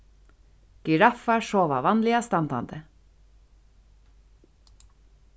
giraffar sova vanliga standandi